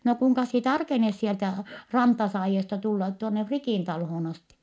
no kuinkas sinä tarkenet sieltä Rantasaajiosta tulla tuonne Frikin taloon asti